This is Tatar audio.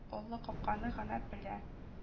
Олы капканы гына белә